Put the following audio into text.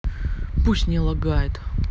пусть не лагает